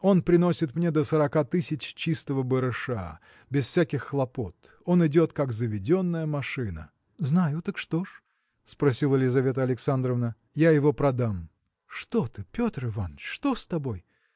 Он приносит мне до сорока тысяч чистого барыша, без всяких хлопот. Он идет как заведенная машина. – Знаю; так что ж? – спросила Лизавета Александровна. – Я его продам. – Что ты, Петр Иваныч! Что с тобой?